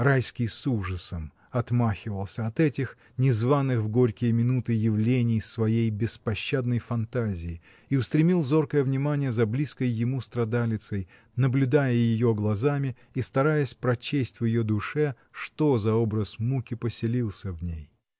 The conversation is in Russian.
Райский с ужасом отмахивался от этих незваных в горькие минуты явлений своей беспощадной фантазии и устремил зоркое внимание за близкой ему страдалицей, наблюдая ее глазами и стараясь прочесть в ее душе: что за образ муки поселился в ней?